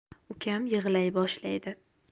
ukam yig'lay boshlaydi